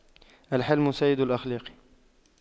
الحِلْمُ سيد الأخلاق